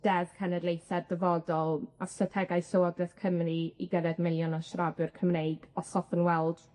deddf cenedlaethe'r dyfodol a strategaeth Llywodreth Cymru i gyrredd miliwn o siaradwyr Cymreig os hoffwn weld